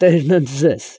Տեր ընդ ձեզ։